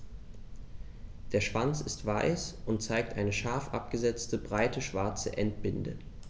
Der Schwanz ist weiß und zeigt eine scharf abgesetzte, breite schwarze Endbinde.